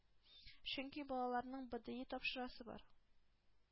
Чөнки балаларның быдыи тапшырасы бар”